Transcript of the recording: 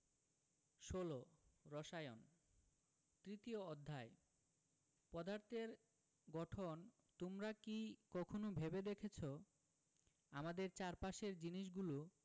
১৬ রসায়ন তৃতীয় অধ্যায় পদার্থের গঠন তোমরা কি কখনো ভেবে দেখেছ আমাদের চারপাশের জিনিসগুলো